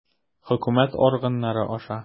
Хөкүмәт органнары аша.